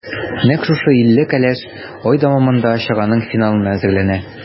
Нәкъ шушы илле кәләш ай дәвамында чараның финалына әзерләнә.